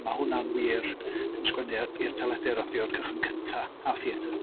Ma' hwnna'n wir am sgwennu ar... i'r teledu a radio o'r cychwyn cynta, a theatr.